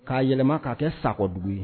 K'a yɛlɛma k'a kɛ sakɔbugu ye.